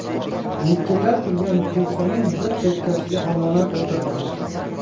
liqillab turgan kursining bir chekkasiga omonat o'tirdim